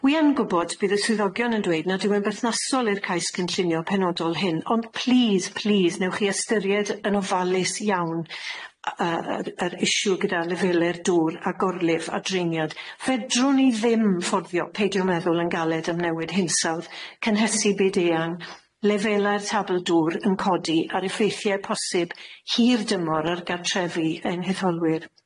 Wi yn gwbod bydd y swyddogion yn dweud nad yw e'n berthnasol i'r cais cynllunio penodol hyn ond plîs plîs newch chi ystyried yn ofalus iawn yy yr yr issue gyda lefelau'r dŵr a gorlif a dreiniad, fedrwn ni ddim fforddio peidio meddwl yn galed am newid hinsawdd, cynhesu byd eang, lefelau'r tabl dŵr yn codi ar effeithiau posib hir dymor ar gartrefi ein hetholwyr.